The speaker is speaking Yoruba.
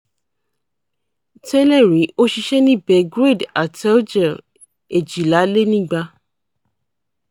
Tẹ́lẹ̀ rí, ó ṣiṣẹ́ ní Belgrade Atelje 212.